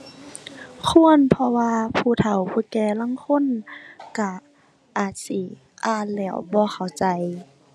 ควร เพราะว่าผู้เฒ่าผู้แก่ลางคนก็อาจสิอ่านแล้วบ่เข้าใจ